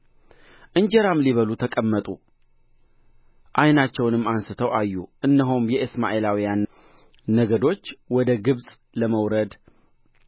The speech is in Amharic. እንጀራም ሊበሉ ተቀመጡ ዓይናቸውንም አንሥተው አዩ እነሆም የእስማኤላውያን ነገዶች ወደ ግብፅ ለመውረድ